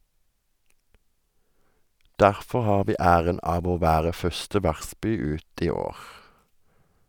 Derfor har vi æren av å være første vertsby ut i år.